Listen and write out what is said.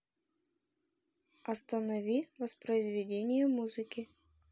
останови воспроизведение музыки